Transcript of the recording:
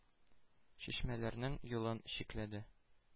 Чишмәләрнең юлын чикләде,